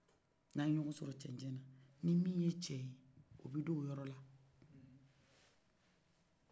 n'a ye ɲɔgɔn sɔrɔ cɛncɛn na ni mi ye cɛye o bɛ don o yɔrɔla